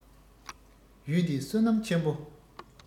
ཡུལ འདི བསོད ནམས ཆེན མོ